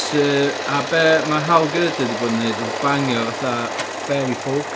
Sy- a be ma' Hal Gerder 'di bod yn wneud ydi bangio fatha fairy folk.